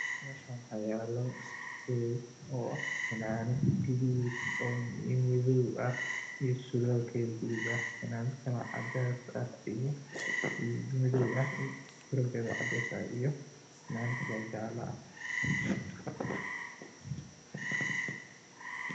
waana carwoWaxaa yaalo jaakado niman ah oo gudoodii cadde iskugu jira oo meel saran